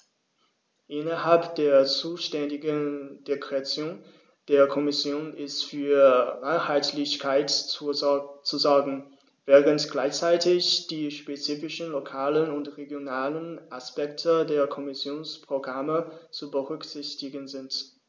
Innerhalb der zuständigen Direktion der Kommission ist für Einheitlichkeit zu sorgen, während gleichzeitig die spezifischen lokalen und regionalen Aspekte der Kommissionsprogramme zu berücksichtigen sind.